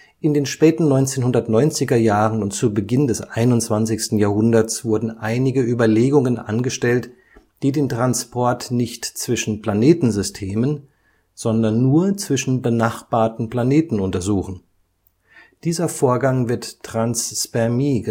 In den späten 1990er Jahren und zu Beginn des 21. Jahrhunderts wurden einige Überlegungen angestellt, die den Transport nicht zwischen Planetensystemen, sondern nur zwischen benachbarten Planeten untersuchen. Dieser Vorgang wird Transspermie